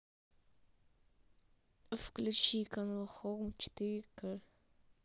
включи канал хоум четыре к